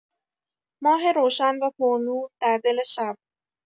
ماه روشن و پرنور در دل شب